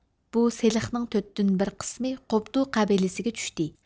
بۇ سېلىقنىڭ تۆتتىن بىر قىسمى قوبدۇ قەبىلىسىگە چۈشتى